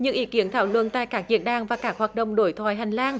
những ý kiến thảo luận tại các diễn đàn và các hoạt động đối thoại hành lang